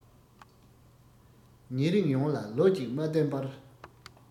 ཉེ རིང ཡོངས ལ ལོ གཅིག མ བརྟེན པར